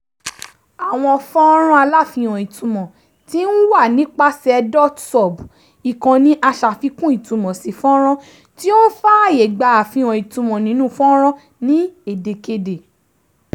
Àwọn fọ́nràn aláfihàn ìtumọ̀ ti ń wà nípasẹ̀ dotSUB, ìkànnì aṣàfikún ìtumọ̀ sí fọ́nràn tí ó ń fààyè gba àfihàn ìtumọ̀ nínú fọ́nràn ní èdèkedè.